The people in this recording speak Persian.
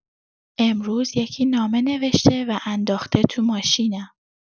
امروز یکی نامه نوشته و انداخته تو ماشینم!